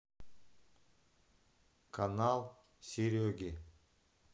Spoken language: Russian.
канал сереги